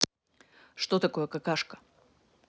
что такое какашка